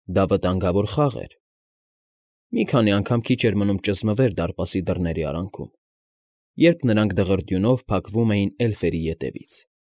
Դա վտանգավոր խաղէր, մի քանի անգամ քիչ էր մնում ճզմվեր դարպասի դռների արանքում, երբ նրանք դղրդյունով փակվում էին էլֆերի ետևից։